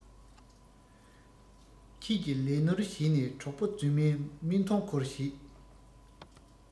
ཁྱེད ཀྱི ལས ནོར བྱས ནས གྲོགས པོ རྫུན མས མི མཐོང ཁུལ བྱེད